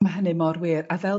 Ma' hynny mor wir a fel...